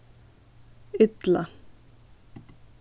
illa